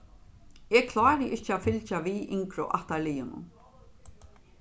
eg klári ikki at fylgja við yngru ættarliðunum